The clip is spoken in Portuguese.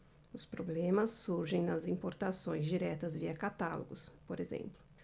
os problemas surgem nas importações diretas via catálogos por exemplo